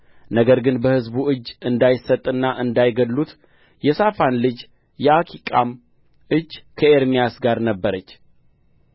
ነገር ግን በሕዝቡ እጅ እንዳይሰጥና እንዳይገድሉት የሳፋን ልጅ የአኪቃም እጅ ከኤርምያስ ጋር ነበረች